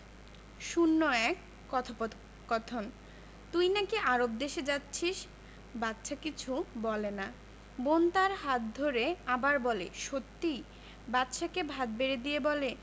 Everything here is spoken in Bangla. ০১ কথোপকথন তুই নাকি আরব দেশে যাচ্ছিস বাদশা কিছু বলে না বোন তার হাত ধরে আবার বলে সত্যি বাদশাকে ভাত বেড়ে দিয়ে বলে